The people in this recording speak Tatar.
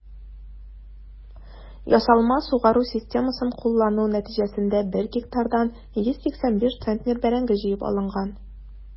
Ясалма сугару системасын куллану нәтиҗәсендә 1 гектардан 185 центнер бәрәңге җыеп алынган.